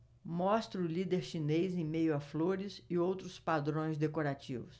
mostra o líder chinês em meio a flores e outros padrões decorativos